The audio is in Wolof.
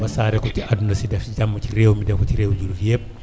wasaare ko ci àdduna si te def si jàmm ci réem mi def ko ci réewu jullit yëpp